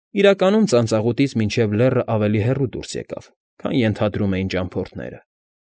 Իրականում ծանծաղուտից մինչև լեռը ավելի հեռու դուրս եկավ, քան ենթադրում էին ճամփորդները։